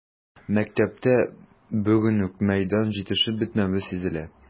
Мәктәптә бүген үк мәйдан җитешеп бетмәве сизелә.